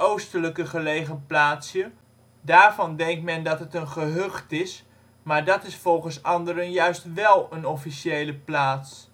oostelijker gelegen plaatsje. Daarvan denkt men dat het een gehucht is, maar dat is volgens anderen juist wél een officiële plaats